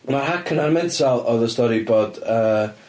Ma'r Haka 'na'n mental oedd y stori bod yy...